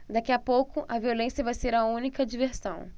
daqui a pouco a violência vai ser a única diversão